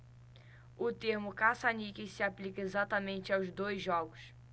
o termo caça-níqueis se aplica exatamente aos dois jogos